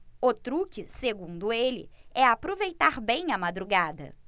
o truque segundo ele é aproveitar bem a madrugada